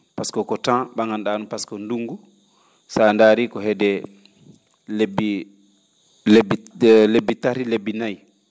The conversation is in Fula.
pasque ko temps ?a?an-?aa ?um pasque ko ndunngu so a ndaari ko heede lebbi lebbi lebbi tari lebbi nayi